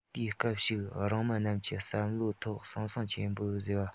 དེས སྐབས ཤིག རིང མི རྣམས ཀྱི བསམ བློའི ཐོག ཟང ཟིང ཆེན པོ བཟོས པ རེད